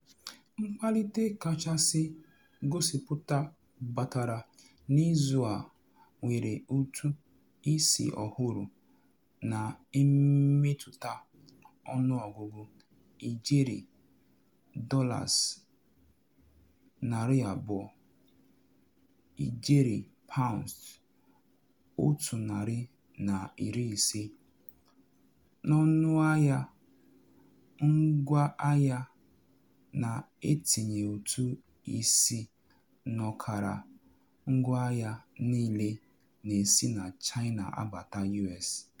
Mkpalite kachasị gosipụta batara n’izu a nwere ụtụ isi ọhụrụ na emetụta ọnụọgụ ijeri $200 (ijeri £150) n’ọnụahịa ngwaahịa, na etinye ụtụ isi n’ọkara ngwaahịa niile na esi na China abata US.